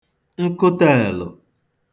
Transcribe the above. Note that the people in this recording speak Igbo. nkụtēèlə̣̀